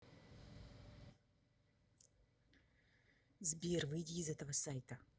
сбер выйди из этого сайта